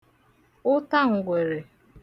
ụtaǹgwèrè